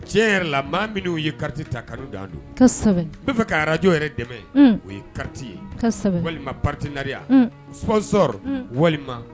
Tiɲɛ yɛrɛ la maa minn'u ye carte ta kanu dan dɔ. Kosɛbɛ! N bɛɛ fɛ ka radio yɛrɛ dɛmɛ. Un! O ye carte ye,. Kosɛbɛ! walima partenariat. Un! Sponsor ,. Un! walima